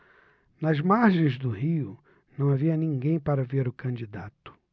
nas margens do rio não havia ninguém para ver o candidato